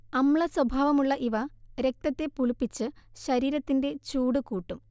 അമ്ലസ്വഭാവമുള്ള ഇവ രക്തത്തെ പുളിപ്പിച്ച് ശരീരത്തിന്റെ ചൂടു കൂട്ടും